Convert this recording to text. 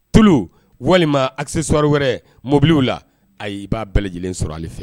Paullu walima a se swari wɛrɛ mobiliw la a'i b'a bɛɛ lajɛlen sɔrɔ ale fɛ